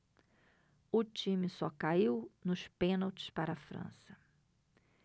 o time só caiu nos pênaltis para a frança